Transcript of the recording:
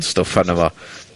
...stwff arno fo.